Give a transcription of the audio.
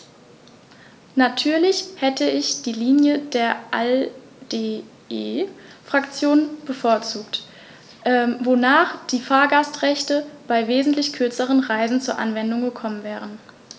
Natürlich hätte ich die Linie der ALDE-Fraktion bevorzugt, wonach die Fahrgastrechte bei wesentlich kürzeren Reisen zur Anwendung gekommen wären.